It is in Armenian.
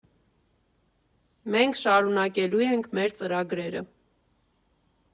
Մենք շարունակելու ենք մեր ծրագրերը։